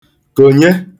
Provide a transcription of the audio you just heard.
kònye